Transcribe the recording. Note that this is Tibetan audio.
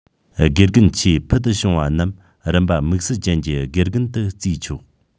དགེ རྒན ཆེས ཕུལ དུ བྱུང བ རྣམས རིམ པ དམིགས བསལ ཅན གྱི དགེ རྒན དུ བརྩིས ཆོག